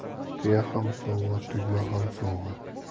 tuya ham sovg'a tugma ham sovg'a